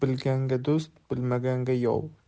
bilganga do'st bilmaganga yov